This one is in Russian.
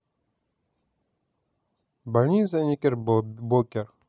больница никербокер